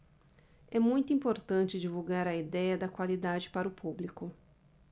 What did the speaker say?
é muito importante divulgar a idéia da qualidade para o público